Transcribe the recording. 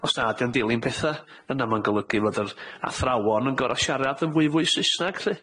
Os na 'di o'n dilyn petha, yna ma'n golygu fod yr athrawon yn gor'o' siarad yn fwyfwy Saesneg lly.